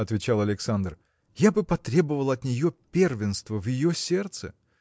– отвечал Александр, – я бы потребовал от нее первенства в ее сердце.